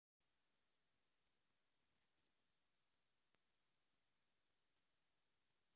смешные клипы две тысячи двадцать